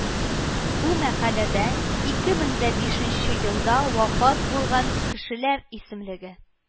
Бу мәкаләдә ике мең дә бишенче елда вафат булган кешләр исемлеге